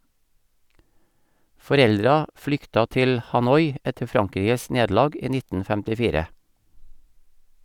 Foreldra flykta til Hanoi etter Frankrikes nederlag i 1954.